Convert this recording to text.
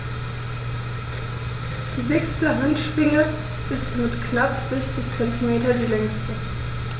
Die sechste Handschwinge ist mit knapp 60 cm die längste.